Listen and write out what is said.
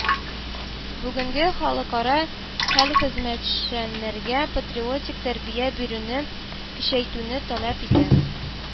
Бүгенге халыкара хәл хезмәтчәннәргә патриотик тәрбия бирүне көчәйтүне таләп итә